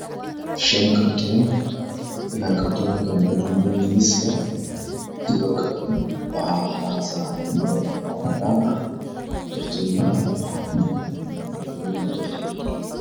Shankartoon kartooma kale aya ka danbeeyo sidoo ksle waxa saaran maro cadaan ah waxa ku jiro